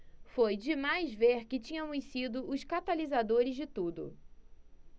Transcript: foi demais ver que tínhamos sido os catalisadores de tudo